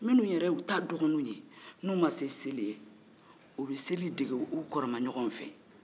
minnu yɛrew ye u ta dɔgɔnuw n'u ma se seli ye o bɛ seli dege u kɔrɔmaɲɔgɔw fɛ